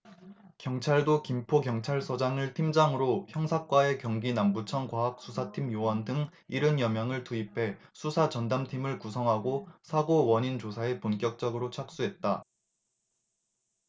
경찰도 김포경찰서장을 팀장으로 형사과와 경기남부청 과학수사팀 요원 등 일흔 여명을 투입해 수사 전담팀을 구성하고 사고 원인 조사에 본격적으로 착수했다